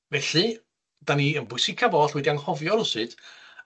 Felly, 'dan ni yn bwysicaf oll wedi anghofio rywsut